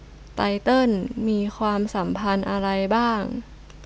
ไตเติ้ลมีความสัมพันธ์อะไรบ้าง